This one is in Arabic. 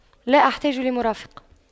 لا احتاج لمرافق